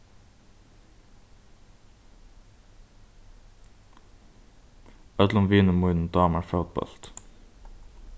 øllum vinum mínum dámar fótbólt